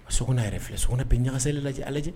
So yɛrɛ filɛ so bɛ ɲakasɛli lajɛ aliji